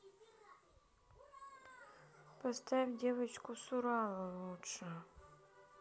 поставь девочку с урала лучше